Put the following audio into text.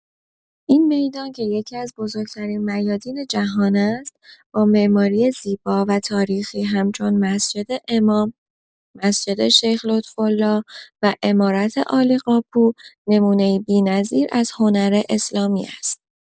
این میدان که یکی‌از بزرگ‌ترین میادین جهان است، با معماری زیبا و تاریخی همچون مسجد امام، مسجد شیخ لطف‌الله و عمارت عالی‌قاپو، نمونه‌ای بی‌نظیر از هنر اسلامی است.